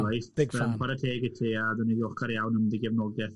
Ddim get-to-lifes, dwi'n chwarae teg i ti a dwi'n ddiolchgar iawn am dy gefnogaeth.